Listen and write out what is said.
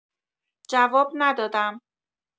جواب ندادم.